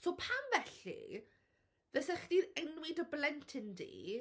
So pam felly fysech chdi'n enwi dy blentyn di...